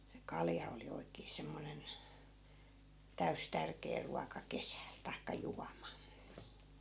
se kalja oli oikein semmoinen täysi tärkeä ruoka kesällä tai juoma